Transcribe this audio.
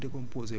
dana ko téye daal